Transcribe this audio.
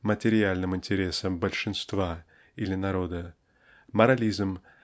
материальным интересам "большинства" (или народа) морализм